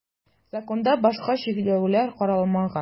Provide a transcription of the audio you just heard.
Законда башка чикләүләр каралмаган.